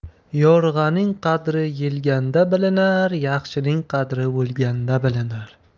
yo'rg'aning qadri yelganda bilinar yaxshining qadri o'lganda bilinar